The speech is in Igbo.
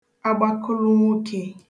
agbakụlụnwokē